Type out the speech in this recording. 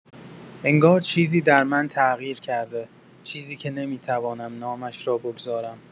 انگار چیزی در من تغییر کرده، چیزی که نمی‌توانم نامش را بگذارم.